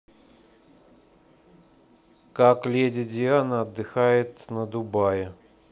как леди диана отдыхает на дубае